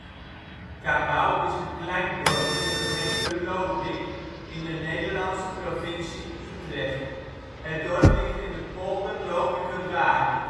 Cabauw is een klein dorp in de gemeente Lopik, in de Nederlandse provincie Utrecht. Het dorp ligt in de polder Lopikerwaard